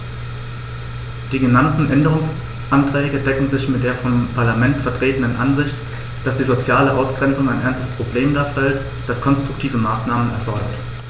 Die genannten Änderungsanträge decken sich mit der vom Parlament vertretenen Ansicht, dass die soziale Ausgrenzung ein ernstes Problem darstellt, das konstruktive Maßnahmen erfordert.